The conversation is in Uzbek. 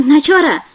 na chora